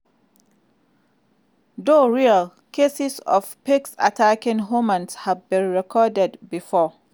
Though rare, cases of pigs attacking humans have been recorded before.